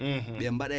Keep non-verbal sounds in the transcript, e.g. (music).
(hesitation) (hesitation)